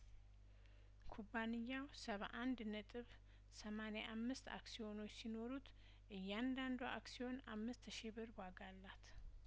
ኩባንያው ሰባአንድ ነጥብ ሰማኒያ አምስት አክሲዮኖች ሲኖሩት እያንዳንዷ አክሲዮን አምስት ሺ ብር ዋጋ አላት